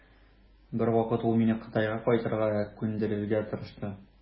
Бер вакыт ул мине Кытайга кайтырга күндерергә тырышты.